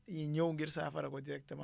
dañuy ñëw ngir saafara ko directement